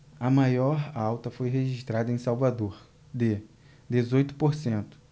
a maior alta foi registrada em salvador de dezoito por cento